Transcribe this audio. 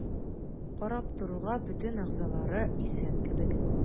Карап торуга бөтен әгъзалары исән кебек.